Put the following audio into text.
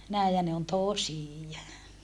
näin ja ne on tosia